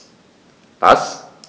Was?